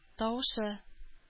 Тавышы